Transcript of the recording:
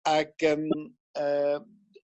Ag yym yy